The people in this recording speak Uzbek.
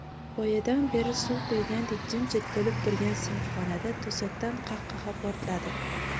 boyadan beri suv quygandek jim jit bo'lib turgan sinfxonada to'satdan qah qaha portladi